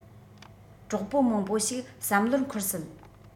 གྲོགས པོ མང པོ ཞིག བསམ བློར འཁོར སྲིད